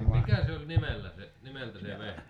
niin mikä se oli nimellä se nimeltä se vehje